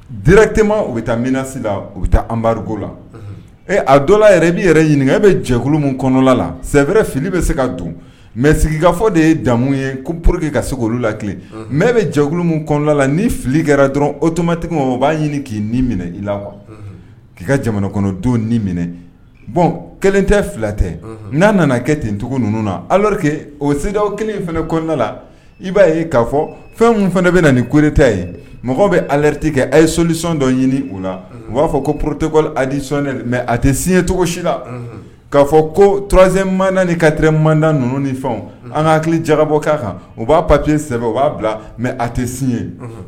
Di tema u bɛ taa minɛnsi la u bɛ anbariko la ee a dɔ i bɛ yɛrɛ ɲini e bɛ jɛkuluumu kɔnɔla la sɛ wɛrɛɛrɛ fili bɛ se ka don mɛ sigikafɔ de ye damu ye kun poro que ka se k olu la kɛ mɛ bɛ jɛkuluumu kɔnɔ la ni fili g dɔrɔn otomati b'a ɲini k'i nin minɛ i la wa k'i ka jamana kɔnɔdon nin minɛ bɔn kelen tɛ fila tɛ n'a nana kɛ tencogo ninnu na alake o se kelen fana kɔnɔnala la i ba'a ye k'a fɔ fɛn min fana bɛ na nin koeta ye mɔgɔ bɛ yɛrɛreti kɛ a ye solisɔn dɔ ɲini u la u b'a fɔ ko porotekkɔ adisɔnɛ mɛ a tɛ siɲɛcogo si la k'a fɔ ko tze man ni kati man ninnu ni fɛn an ka hakili jagabɔ k'a kan u b'a papiye sɛ u b'a bila mɛ a tɛ sin ye